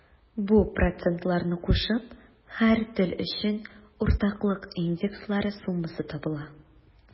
Бу процентларны кушып, һәр тел өчен уртаклык индекслары суммасы табыла.